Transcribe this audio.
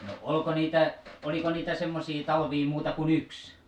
no oliko niitä oliko niitä semmoisia talvia muuta kuin yksi